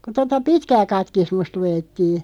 kun tuota pitkää katekismusta luettiin